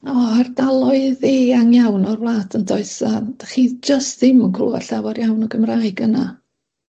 o ardaloedd eang iawn o'r wlad yndoes a 'dach chi jyst ddim yn clwad llawar iawn o Gymraeg yna